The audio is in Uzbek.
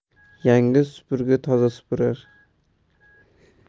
yangi supurgi toza supurar